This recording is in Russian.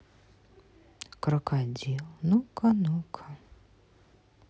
крокодил ну ка ну ка